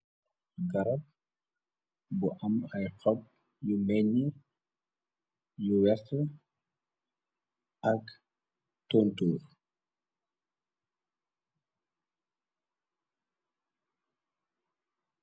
garab bu am ay xab yu meñ yu wex ak tontur